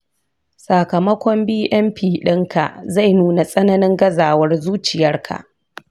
sakamakon bnp ɗinka zai nuna tsananin gazawar zuciyarka.